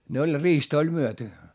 ne oli riista oli myyty